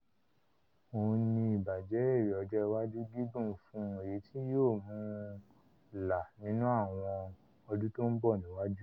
Òhun níì ìbájẹ́ èrè ọjọ́ iwájú gígùn fún un èyití yóò mú un là nínú́ àwọn ọdún tónbo níwájú́.